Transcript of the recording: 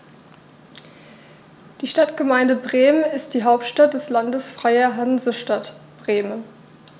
Die Stadtgemeinde Bremen ist die Hauptstadt des Landes Freie Hansestadt Bremen.